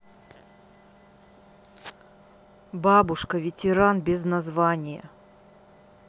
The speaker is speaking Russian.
бабушка ветеран без названия